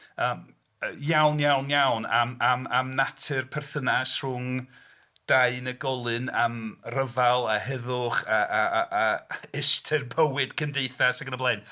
Yy iawn, iawn, iawn am... am... am natur perthynas rhwng dau unigolyn am ryfel a heddwch a... a... a ystyr bywyd cymdeithas ac yn y blaen.